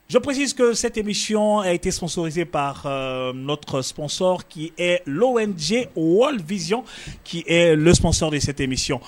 Jɔɔpsisɛtemisiyɔn teonsɔne pa kasɔnsɔn k'i wen wali vsiy k'i sɔnsɔn de sɛ temiyɔn